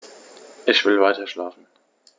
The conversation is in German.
Ich will weiterschlafen.